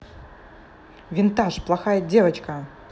винтаж плохая девочка